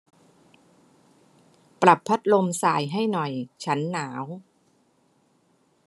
ปรับพัดลมส่ายให้หน่อยฉันหนาว